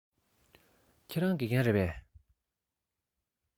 ཁྱེད རང དགེ རྒན རེད པས